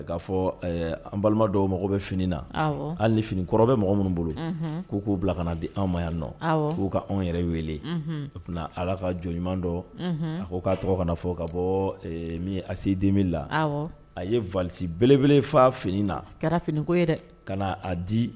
K'a fɔ an balima dɔw mɔgɔ bɛ fini na an ni fini kɔrɔbɛ mɔgɔ minnu bolo k'u k'u bila kana di anw ma yan nɔ k'u ka anw yɛrɛ weele u ala ka jɔn ɲuman dɔ a ko k'a tɔgɔ kana fɔ ka bɔ min a seden la a ye vsi belebele faa fini na kɛra finiko ye dɛ kaa di